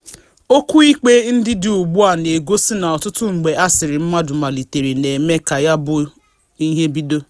Okwu ikpe ndị dị ugbu a na-egosi na ọtụtụ mgbe asịrị mmadụ malitere na-eme ka ya bụ ihe bido.